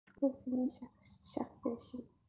bu sening shaxsiy ishing